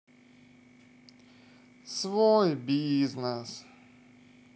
свой бизнес